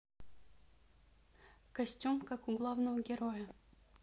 костюм как у главного героя